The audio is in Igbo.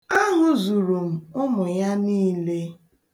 A hụzuru m ụmụ ya niile.